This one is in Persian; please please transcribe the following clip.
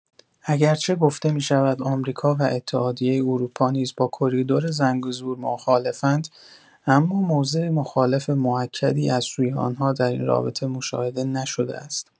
اگرچه گفته می‌شود آمریکا و اتحادیه اروپا نیز با کریدور زنگزور مخالفند، اما موضع مخالفت موکدی از سوی آنها در این رابطه مشاهده نشده است.